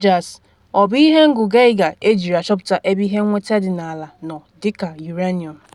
Rogers: “Ọ bụ ihe Ngụ Geiger, ejiri achọpụta ebe ihe nnweta dị n’ala nọ dịka uranium.